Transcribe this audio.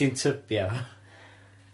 Ti'n tybio?